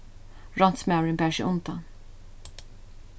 ránsmaðurin bar seg undan